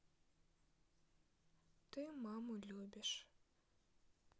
ты маму любишь